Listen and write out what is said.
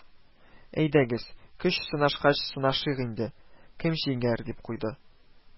Әйдәгез, көч сынашкач сынашыйк инде, кем җиңәр, дип куйды